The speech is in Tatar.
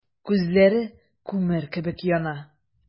Күзләре күмер кебек яна.